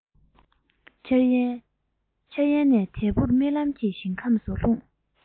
འཆར ཡན ནས དལ བུར རྨི ལམ གྱི ཞིང ཁམས སུ ལྷུང